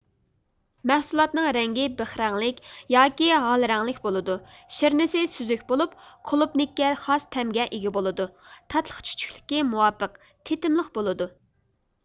مەھسۇلاتنىڭ رەڭگى بېخرەڭلىك ياكى ھال رەڭلىك بولىدۇ شىرنىسى سۈزۈك بولۇپ قۇلۇبنىككە خاس تەمگە ئىگە بولىدۇ تاتلىق چۈچۈكلۈكى مۇۋاپىق تېتىملىق بولىدۇ